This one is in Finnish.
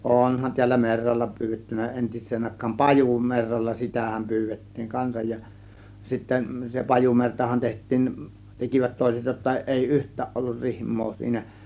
onhan täällä merralla pyydetty entiseen aikaan pajumerralla sitähän pyydettiin kanssa ja sitten se pajumertahan tehtiin tekivät toiset jotta ei yhtään ollut rihmaa siinä